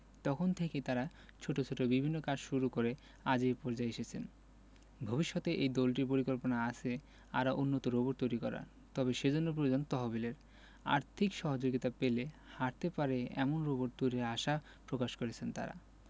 তখন থেকেই তারা ছোট ছোট বিভিন্ন কাজ শুরু করে আজ এ পর্যায়ে এসেছেন ভবিষ্যতে এই দলটির পরিকল্পনা আছে আরও উন্নত রোবট তৈরি করার তবে সেজন্য প্রয়োজন তহবিলের আর্থিক সহযোগিতা পেলে হাটতে পারে এমন রোবট তৈরির আশা প্রকাশ করেছেন তারা